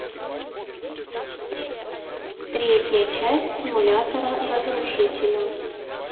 третья часть симулятора разрушителя